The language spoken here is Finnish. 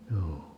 joo